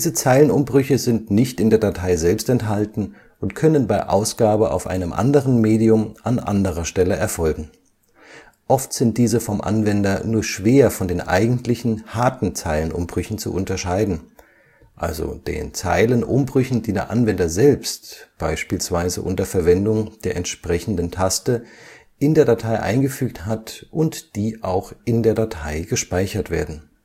Zeilenumbrüche sind nicht in der Datei selbst enthalten und können bei Ausgabe auf einem anderen Medium an anderer Stelle erfolgen. Oft sind diese vom Anwender nur schwer von den eigentlichen, „ harten “Zeilenumbrüchen zu unterscheiden – also den Zeilenumbrüchen, die der Anwender selbst – beispielsweise unter Verwendung der entsprechenden Taste – in der Datei eingefügt hat und die auch in der Datei gespeichert werden